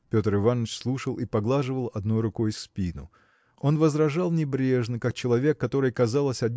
Петр Иваныч слушал и поглаживал одной рукой спину. Он возражал небрежно как человек который казалось